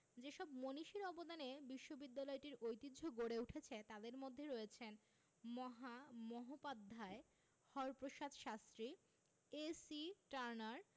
যেসব মনীষীর অবদানে বিশ্ববিদ্যালয়টির ঐতিহ্য গড়ে উঠেছে তাঁদের মধ্যে রয়েছেন মহামহোপাধ্যায় হরপ্রসাদ শাস্ত্রী এ.সি টার্নার